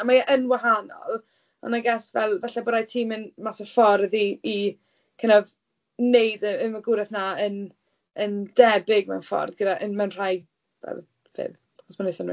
A mae e yn wahanol ond I guess fel, falle bod raid ti fynd mas o'r ffordd i i kind of wneud y y magwraeth 'na yn yn debyg mewn ffordd gyda... yn... mewn rhai fel ffyrdd os ma'n wneud synnwyr.